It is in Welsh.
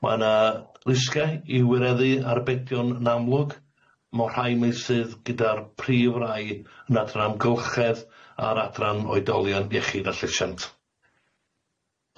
Mae yna lusge i wyreddu arbedion yn amlwg, mo rhai meysydd gyda'r prif rai yn adran amgylchedd a'r adran oedolion iechyd a llesiant.